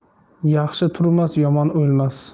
yaxshi turmas yomon o'lmas